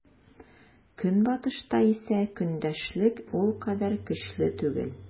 Көнбатышта исә көндәшлек ул кадәр көчле түгел.